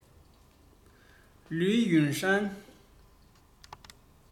ལིའུ ཡུན ཧྲན